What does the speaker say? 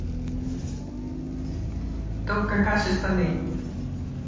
топ какаши штаны